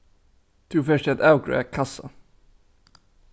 tú fert at avgreiða kassan